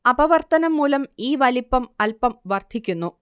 അപവർത്തനം മൂലം ഈ വലിപ്പം അൽപം വർദ്ധിക്കുന്നു